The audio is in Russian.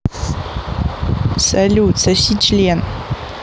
салют соси член